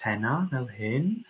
tena fel hyn